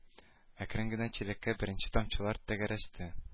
Әкрен генә чиләккә беренче тамчылар тәгәрәште